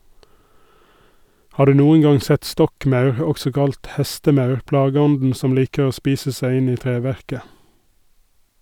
Har du noen gang sett stokkmaur, også kalt hestemaur, plageånden som liker å spise seg inn i treverket?